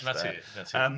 'Na ti, 'na ti.